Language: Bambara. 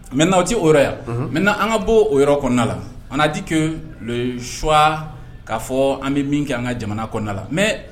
Mɛ naaw tɛ o yan mɛ na an ka bɔ o yɔrɔda la an' dikeyi suwa k'a fɔ an bɛ min kɛ an ka jamana kɔnɔnada la mɛ